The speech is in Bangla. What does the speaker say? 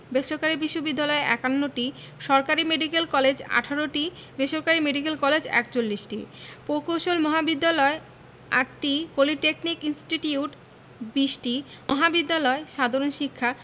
বেসরকারি বিশ্ববিদ্যালয় ৫১টি সরকারি মেডিকেল কলেজ ১৮টি বেসরকারি মেডিকেল কলেজ ৪১টি প্রকৌশল মহাবিদ্যালয় ৮টি পলিটেকনিক ইনস্টিটিউট ২০টি মহাবিদ্যালয় সাধারণ শিক্ষা